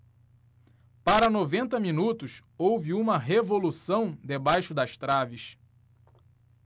para noventa minutos houve uma revolução debaixo das traves